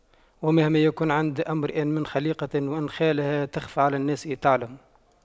ومهما يكن عند امرئ من خَليقَةٍ وإن خالها تَخْفَى على الناس تُعْلَمِ